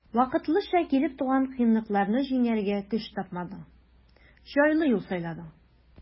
Вакытлыча килеп туган кыенлыкларны җиңәргә көч тапмадың, җайлы юл сайладың.